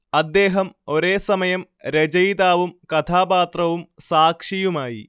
അദ്ദേഹം ഒരേസമയം രചയിതാവും കഥാപാത്രവും സാക്ഷിയുമായി